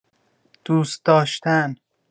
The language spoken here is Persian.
دوست‌داشتن